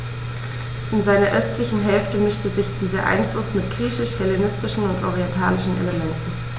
In seiner östlichen Hälfte mischte sich dieser Einfluss mit griechisch-hellenistischen und orientalischen Elementen.